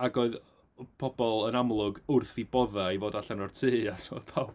Ac oedd pobl yn amlwg wrth eu boddau i fod allan o'r tŷ, achos oedd pawb...